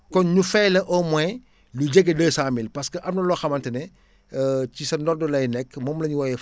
kon ñu fay la au moins lu jege deux cent mille parce que am na loo xamante ne ci sa ndodd lay nekk moom la ñu woowee